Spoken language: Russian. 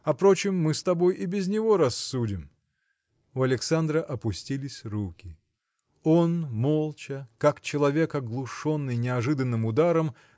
О прочем мы с тобой и без него рассудим. У Александра опустились руки. Он молча как человек оглушенный неожиданным ударом